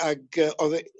ag yy o'dd e